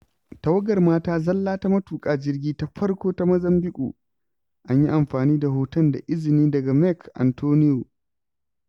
Tawagar mata zalla ta matuƙa jirgi ta farko ta Mozambiƙue An yi amfani da hoton da izini daga Meck Antonio.